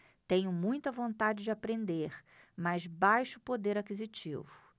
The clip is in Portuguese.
tenho muita vontade de aprender mas baixo poder aquisitivo